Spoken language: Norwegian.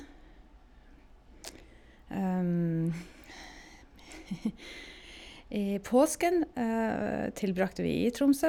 i Påsken tilbrakte vi i Tromsø.